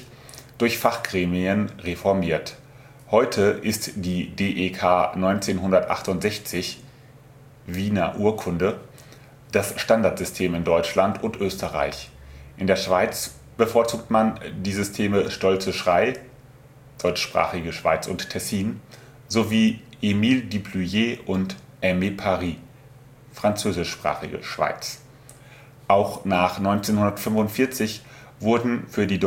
durch Fachgremien reformiert. Heute ist die DEK 1968 („ Wiener Urkunde “/ siehe Weblink) das Standardsystem in Deutschland und Österreich. In der Schweiz bevorzugt man die Systeme Stolze-Schrey (deutschsprachige Schweiz und Tessin) sowie Émile Duployé und Aimé-Paris (französischsprachige Schweiz). Auch nach 1945 wurden für die